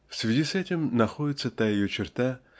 В связи с этим находится та ее черта